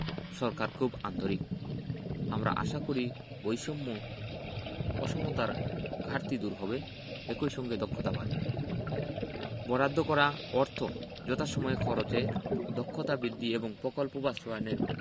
সরকার খুবই আন্তরিক আমরা আশা করি বৈষম্য অসমতার ঘাটতি দূর হবে একই সঙ্গে দক্ষতাও বাড়বে বরাদ্দ করা অর্থ যথাসময়ে খরচের দক্ষতা বৃদ্ধি এবং প্রকল্প বাস্তবায়নের